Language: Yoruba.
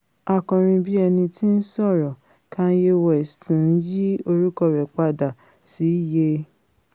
Akọrinbíẹnití-ńsọ̀rọ̀ Kanye West ń yí orúkọ rẹ̀ padà - sí Ye.